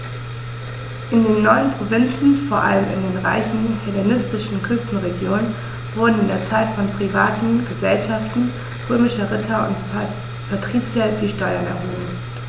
In den neuen Provinzen, vor allem in den reichen hellenistischen Küstenregionen, wurden in dieser Zeit von privaten „Gesellschaften“ römischer Ritter und Patrizier die Steuern erhoben.